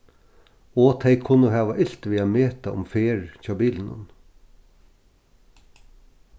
og tey kunnu hava ilt við at meta um ferð hjá bilunum